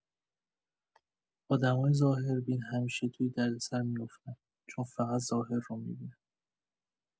آدمای ظاهربین همیشه توی دردسر می‌افتن چون فقط ظاهر رو می‌بینن.